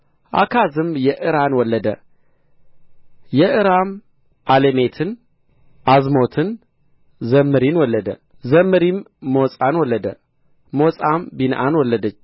አካዝም የዕራን ወለደ የዕራም ዓሌሜትን ዓዝሞትን ዘምሪን ወለደ ዘምሪም ሞጻን ወለደ ሞጻም ቢንዓን ወለደ